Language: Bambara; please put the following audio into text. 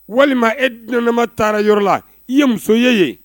Walima e dunan nema taara yɔrɔ la i ye muso ye ye